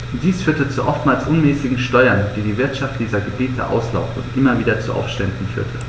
Dies führte zu oftmals unmäßigen Steuern, die die Wirtschaft dieser Gebiete auslaugte und immer wieder zu Aufständen führte.